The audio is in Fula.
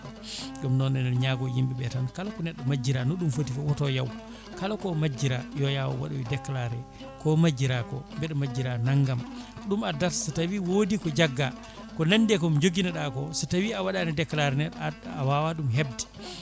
ɗum noon enen ñango yimɓeɓe tan kala ko neɗɗo majjira no ɗum ffoti foof oto yaw kala ko majjira yo yaah o waɗoya ɗum déclaré ko majjira ko mbeɗa majjira naggam ɗum addata so tawi woodi ko jagga ko nandi e ko joguino ɗa ko so tawi a waɗani déclaré a wawa ɗum hebde